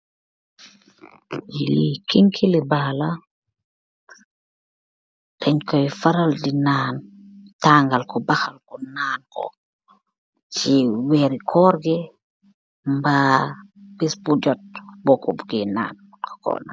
kengkeng li baa puur nann.